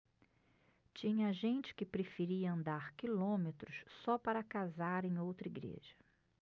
tinha gente que preferia andar quilômetros só para casar em outra igreja